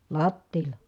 lattialla